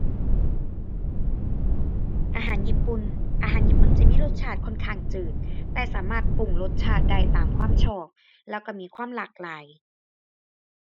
อาหารญี่ปุ่น อาหารญี่ปุ่นสิมีรสชาติค่อนข้างจืด แต่สามารถปรุงรสชาติได้ตามความชอบ แล้วก็มีความหลากหลาย